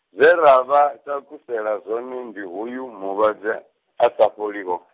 zwe ra vha takusela zwone ndi hoyu mulwadze, asa fholiho.